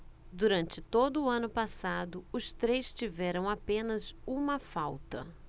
durante todo o ano passado os três tiveram apenas uma falta